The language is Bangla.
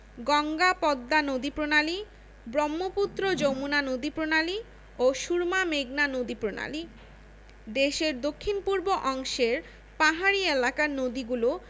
গঙ্গা পদ্মা নদীপ্রণালী ব্রহ্মপুত্র যমুনা নদীপ্রণালী ও সুরমা মেঘনা নদীপ্রণালী দেশের দক্ষিণ পূর্ব অংশের পাহাড়ী এলাকার নদীগুলো